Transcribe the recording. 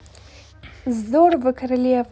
здорово королева